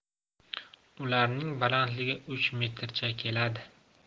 ularning balandligi uch metrcha keladi